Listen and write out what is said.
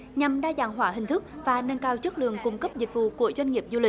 nhằm đa dạng hóa hình thức và nâng cao chất lượng cung cấp dịch vụ của doanh nghiệp du lịch